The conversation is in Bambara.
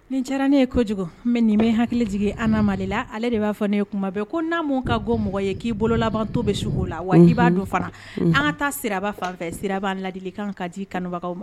Nin diyara ne ye kojugu mɛ nin bɛ hakili jigin an ma la ale de b'a fɔ ne ye kuma bɛɛ ko n'amu ka ko mɔgɔ ye k'i bolo laban to bɛ su la wa i b'a don fana an ka taa siraba fan fɛ siraba ladi kan ka di kanubagaw ma